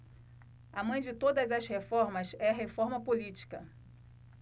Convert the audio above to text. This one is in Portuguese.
a mãe de todas as reformas é a reforma política